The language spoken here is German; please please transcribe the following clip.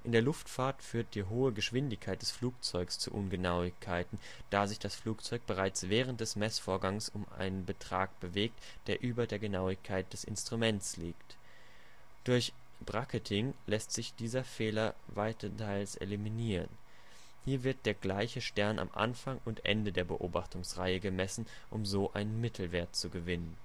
der Luftfahrt führt die hohe Geschwindigkeit des Flugzeugs zu Ungenauigkeiten, da sich das Flugzeug bereits während des Messvorgangs um einen Betrag bewegt, der über der Genauigkeit des Instruments liegt. Durch " Bracketing " lässt sich dieser Fehler weitenteils eliminieren. Hier wird der gleiche Stern am Anfang und Ende der Beobachtungsreihe gemessen, um so einen Mittelwert zu gewinnen